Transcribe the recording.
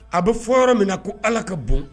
A bɛ fɔ yɔrɔ min ko ala ka bon